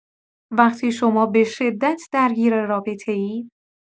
وقتی شما به‌شدت درگیر رابطه‌اید.